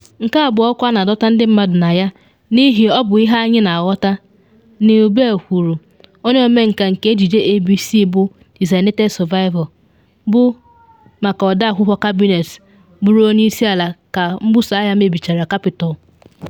“Nke a bụ ọkụ a na adọta ndị mmadụ na ya n’ihi ọ bụ ihe anyị na aghọta,” Neal Baer kwuru, onye ọmenka nke ejije ABC bụ “Designated Survivor,” bụ maka ọde akwụkwọ kabinet bụrụ onye isi ala ka mbuso agha mebichara Capitol.